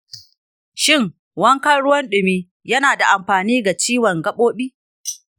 shin wankan ruwan dumi yana da amfani ga ciwon gabobi?